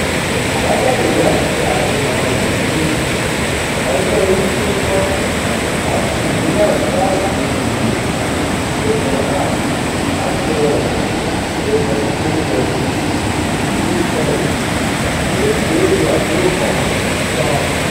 Àbájáde ìwádìí ṣe àfihàn-an rẹ̀ wípé ọjọ́ orí tí ó tọ́ láti ṣe ìgbéyàwó bá ìpele ìwé tí ènìyàn kà àti ọrọ̀ tí ènìyán ti kó jọ (TDHS 201) tan.